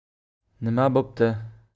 nima bo'pti